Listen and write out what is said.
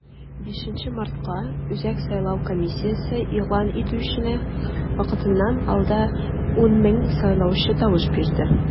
5 мартка, үзәк сайлау комиссиясе игълан итүенчә, вакытыннан алда 10 мең сайлаучы тавыш бирде.